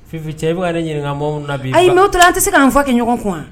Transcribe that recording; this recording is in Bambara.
Fifin cɛ i b' ne ɲininka la bi ayi'o tora an tɛ se k'an fɔ kɛ ɲɔgɔn kun